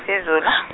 -siZulu.